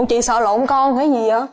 chị sợ lộn con hả gì hả